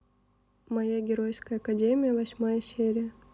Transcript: моя геройская академия восьмая серия